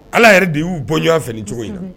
Ala yɛrɛ de y'u bɔɲɔgɔnwan fɛ cogo in na